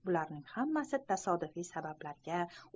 bularning hammasi tasodifiy sabablarga